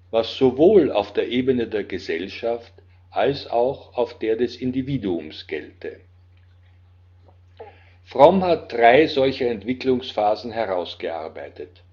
was sowohl auf der Ebene der Gesellschaft als auch auf der des Individuums gelte. Fromm hat drei solcher Entwicklungsphasen herausgearbeitet